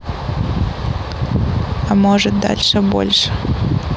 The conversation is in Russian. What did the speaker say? а может дальше больше